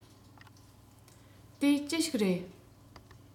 དེ ཅི ཞིག རེད